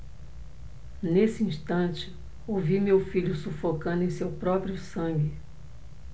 nesse instante ouvi meu filho sufocando em seu próprio sangue